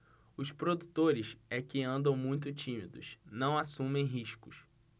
os produtores é que andam muito tímidos não assumem riscos